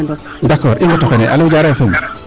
D' accord i nqot oxene alo Diarere FM .